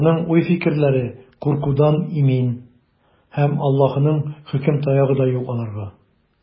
Аларның уй-фикерләре куркудан имин, һәм Аллаһының хөкем таягы да юк аларга.